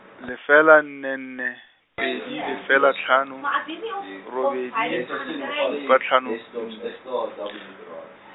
lefela nne nne, pedi lefela tlhano, robedi, supa tlhano .